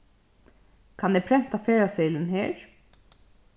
kann eg prenta ferðaseðilin her